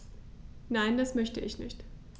Nein, das möchte ich nicht.